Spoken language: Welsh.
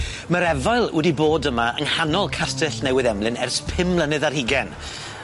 Ma'r efail wedi bod yma yng nghanol Castell Newydd Emlyn ers pum mlynedd ar hugen